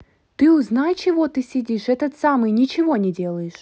так узнай чего ты сидишь этот самый ничего не делаешь